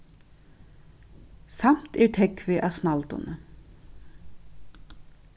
samt er tógvið á snælduni